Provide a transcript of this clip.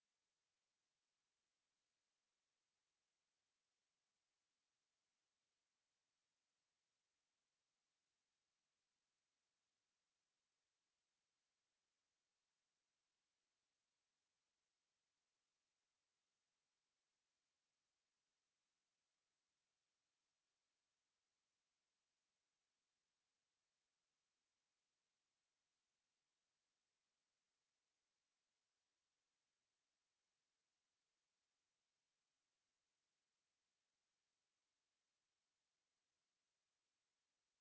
bandiraɓe tedduɓe hettotoɓe halirde BOSE FM on calminama e inde on manama e jettode bandiraɓe en garti e yewtere meɗen tawi ko abbitinde e banggue hande o kono wiye e remru kono kaadi tawi koye ballal hono ndeɗo fedde wiyatede jokalante eyyi kayri woni saababu ha jokkodiral meɗen hande o e on mo ganduɗa kañum woni mo ballodirten woni établissement Kane et fils hande o eɗen jaɓɓi gardiɗo galɗon gollorgal woni établissement Kane et ,fils eyyi kanko non hande yewtere meɗen ɓuri abbade caggal nde badduɗen e makko yewtere labtude